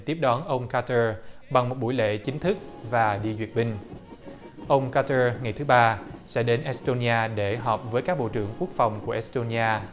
tiếp đón ông ca tơ bằng một buổi lễ chính thức và đi duyệt binh ông ca tơ ngày thứ ba sẽ đến ét tô nha để họp với các bộ trưởng quốc phòng của ét tô nha